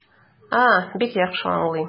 А, бик яхшы аңлыйм.